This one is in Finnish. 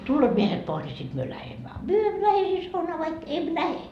tulevat miehet pois niin sitten me lähdemme a me emme lähde heidän saunaan vaikka en lähde